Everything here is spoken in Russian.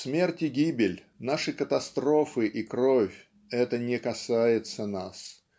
Смерть и гибель, наши катастрофы и кровь это не касается нас